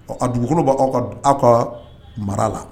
Ɔ a dugukolo bɛ aw ka aw ka mara la